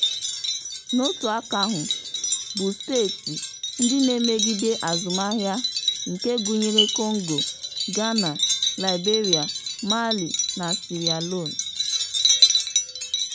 N'otu aka ahụ bụ steeti ndị na-emegide azụmahịa nke gunyere Congo, Ghana, Liberia, Mali na Sierra Leone.